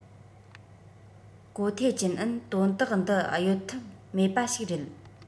གོ ཐའེ ཅུན ཨན དོན དག འདི གཡོལ ཐབས མེད པ ཞིག རེད